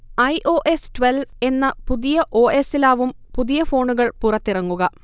I. Oh. S twelve എന്ന പുതിയ ഓ. എസി ലാവും പുതിയ ഫോണുകൾ പുറത്തിറങ്ങുക